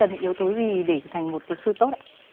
cần những yếu tố gì để thành một luật sư tốt ạ